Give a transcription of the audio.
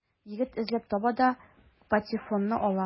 Егет эзләп таба да патефонны ала.